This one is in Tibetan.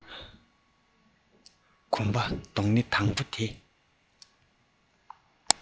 གོམ པའི རྡོག སྣེ དང པོ དེ